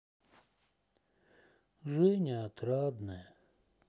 женя отрадная